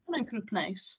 Ma' hwnna'n grŵp neis.